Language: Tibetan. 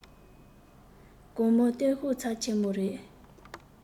དགོང མོ བསྟན བཤུག ཚབས ཆེན མོ རེ